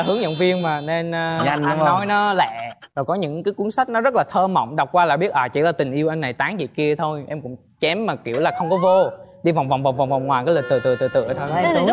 hướng dẫn viên mà nên a ăn nói nó lẹ và có những cái cuốn sách nó rất là thơ mộng đọc qua là biết à chỉ có tình yêu anh này tán chị kia thôi em cũng chém mà kiểu là không có vô đi vòng vòng vòng vòng vòng ngoài có lịch từ từ từ từ vậy thôi